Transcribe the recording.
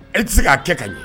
E tɛ se k'a kɛ ka ɲɛ